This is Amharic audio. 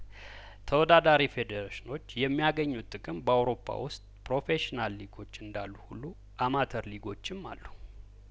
ተወዳዳሪ ፌዴሬሽኖች የሚያገኙት ጥቅም በአውሮፓ ውስጥ ፕሮፌሽናል ሊጐች እንዳሉ ሁሉ አማተር ሊጐችም አሉ